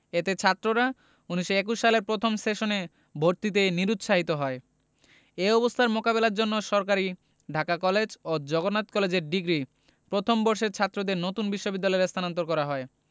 এতে ছাত্ররা ১৯২১ সালে প্রথম সেশনে ভর্তিতে নিরুৎসাহিত হয় এ অবস্থার মোকাবেলার জন্য সরকারি ঢাকা কলেজ ও জগন্নাথ কলেজের ডিগ্রি প্রথম বর্ষের ছাত্রদের নতুন বিশ্ববিদ্যালয়ে স্থানান্তর করা হয়